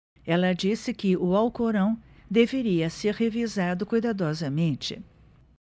ela disse que o alcorão deveria ser revisado cuidadosamente